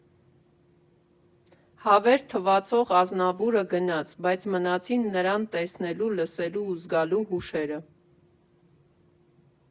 Հավերթ թվացող Ազնավուրը գնաց, բայց մնացին նրան տեսնելու, լսելու ու զգալու հուշերը։